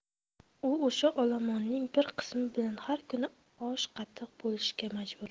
u o'sha olomonning bir qismi bilan har kuni osh qatiq bo'lishga majbur